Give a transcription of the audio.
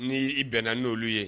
N' i bɛnna n'olu ye